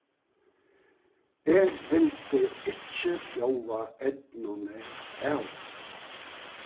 eg vildi ikki bjóða eydnuni av